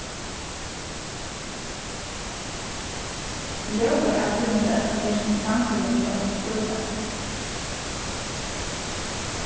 ljóðið av tíni rødd er sum sangurin hjá einum spurvi